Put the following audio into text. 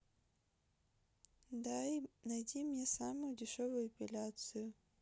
найди мне самую дешевую эпиляцию